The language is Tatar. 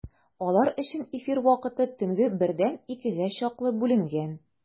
Алар өчен эфир вакыты төнге бердән икегә чаклы бүленгән.